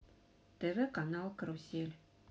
тв канал карусель